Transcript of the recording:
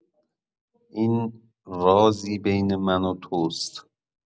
این رازی بین من و تو است.